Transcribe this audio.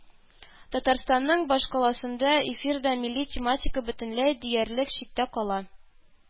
Татарстанның башкаласындагы “Эфир”да милли тематика бөтенләй диярлек читтә кала